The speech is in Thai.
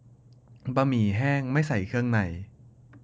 บะหมี่แห้งไม่ใส่เครื่องใน